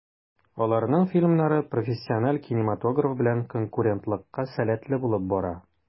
Аларның фильмнары профессиональ кинематограф белән конкурентлыкка сәләтле булып бара.